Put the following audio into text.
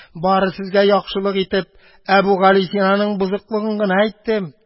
Бары сезгә яхшылык итеп Әбүгалисинаның бозыклыгын гына әйттем.